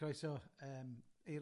Croeso yym...